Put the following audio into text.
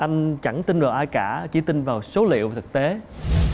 anh chẳng tin vào ai cả chỉ tin vào số liệu thực tế